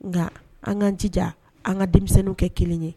Nga an kan jija an ka denmisɛnninw kɛ kelen ye.